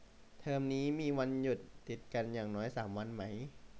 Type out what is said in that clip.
เทอมนี้มีวันหยุดติดกันอย่างน้อยสามวันไหม